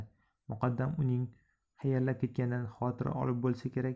muqaddam uning hayallab ketganidan xavotir olib bo'lsa kerak